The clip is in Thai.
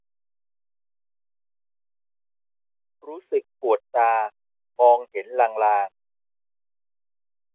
รู้สึกปวดตามองเห็นลางลาง